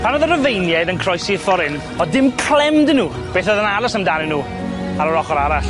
Pan o'dd y Rifeiniaid yn croesi ffor' 'yn o'dd dim clem 'dyn n'w beth o'dd yn aros amdanyn n'w ar yr ochor arall.